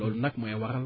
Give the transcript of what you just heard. loolu nag mooy waral